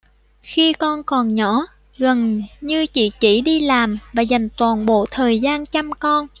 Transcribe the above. khi con còn nhỏ gần như chị chỉ đi làm và dành toàn bộ thời gian chăm con